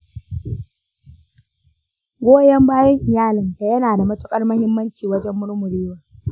goyon bayan iyalinka yana da matuƙar muhimmanci wajen murmurewa.